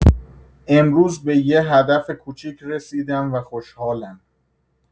امروز به یه هدف کوچیک رسیدم و خوشحالم